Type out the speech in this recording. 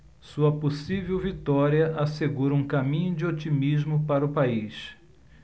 sua possível vitória assegura um caminho de otimismo para o país